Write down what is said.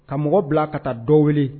Ka mɔgɔ bila ka taa dɔ wuli